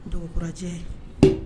Dondokɔrɔjɛ